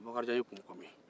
bokarijan y'i kun kɔmi